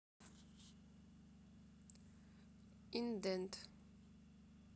индент